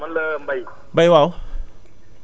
maa ñëwaat man la Mbaye